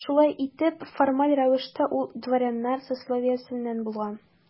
Шулай итеп, формаль рәвештә ул дворяннар сословиесеннән булган.